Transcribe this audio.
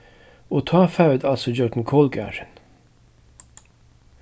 og tá fara vit altso ígjøgnum kolgarðin